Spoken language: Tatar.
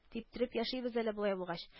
Типтереп яшибез әле болай булгач